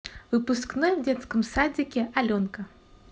выпускной в детском садике аленка